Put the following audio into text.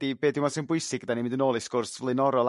'di be' dwi' me'wl sy'n bwysig dan ni'n mynd yn ol i sgwrs flaenorol